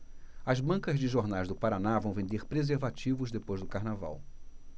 as bancas de jornais do paraná vão vender preservativos depois do carnaval